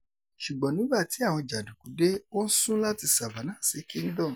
Ṣùgbọ́n nígbà tí àwọn jàndùkú dé, wọ́n sún láti "Savannah" sí Kingdom'